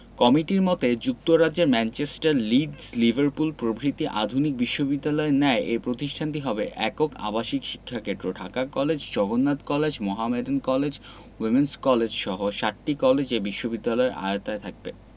কমিটির মতে যুক্তরাজ্যের ম্যানচেস্টার লিডস লিভারপুল প্রভৃতি আধুনিক বিশ্ববিদ্যালয়ের ন্যায় এ প্রতিষ্ঠানটি হবে একক আবাসিক শিক্ষাক্ষেত্র Dhaka college Jagannath college Mohammedan college women's কলেজসহ সাতটি কলেজ এ বিশ্ববিদ্যালয়ের আয়ওতায় থাকবে